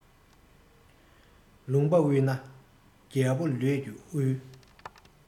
ལུང པ དབུལ ན རྒྱལ པོ ལས ཀྱིས དབུལ